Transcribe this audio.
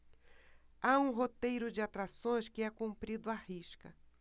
há um roteiro de atrações que é cumprido à risca